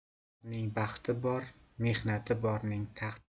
vatani borning baxti bor mehnati borning taxti